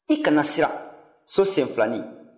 i kana siran so senfilanin